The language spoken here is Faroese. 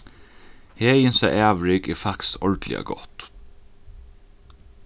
heðinsa avrik er faktiskt ordiliga gott